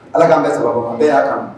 Ala k'an bɛ sababu bɛɛ y'a kan